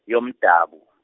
yomdabu.